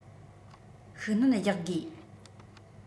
ཤུགས སྣོན རྒྱག དགོས